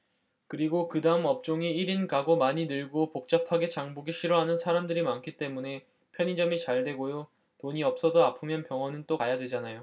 그리고 그다음 업종이 일 인 가구 많이 늘고 복잡하게 장보기 싫어하는 사람들이 많기 때문에 편의점이 잘되고요 돈이 없어도 아프면 병원은 또 가야 되잖아요